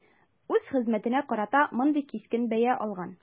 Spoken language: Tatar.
Үз хезмәтенә карата мондый кискен бәя алган.